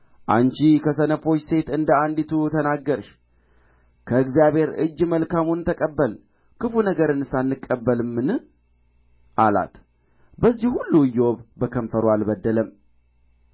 አንቺ ከሰነፎች ሴቶች እንደ አንዲቱ ተናገርሽ ከእግዚአብሔር እጅ መልካሙን ተቀበልን ክፉ ነገርንስ አንቀበልምን አላት በዚህ ሁሉ ኢዮብ በከንፈሩ አልበደለም